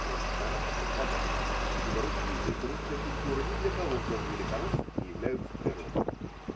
совершенно совпадают, ибо русский язык и русская культура ни для кого, кроме великороссов, не являются природными.